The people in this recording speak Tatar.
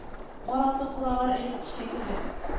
Каралты-куралар элеккечә кебек